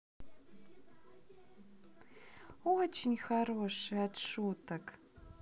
очень хороший от шуток